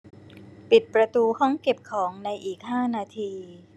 ปิดประตูห้องเก็บของในอีกห้านาที